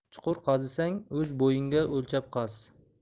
chuqur qazisang o'z bo'yingga o'lchab qaz